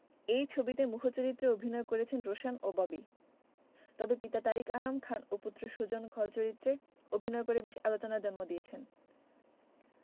এই ছবিতে মূখ চরিত্রে অভিনয় করছেন রোশান ও ববি তবে পিতা তারিক আনাম খান ও পুত্র সুজন খল চরিত্রে অভিনয় করে বেশ আলোচনার জন্ম দিয়েছেন